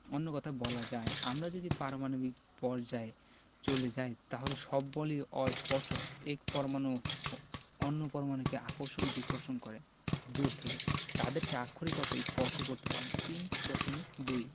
অন্য কথায় বলা যায় আমরা যদি পারমাণবিক পর্যায়ে চলে যাই তাহলে সব বলই অস্পর্শক এক পরমাণু অন্য পরমাণুকে আকর্ষণ বিকর্ষণ করে দূর থেকে তাদেরকে আক্ষরিক অর্থে স্পর্শ করতে হয় না ৩.২